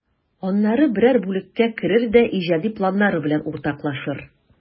Аннары берәр бүлеккә керер дә иҗади планнары белән уртаклашыр.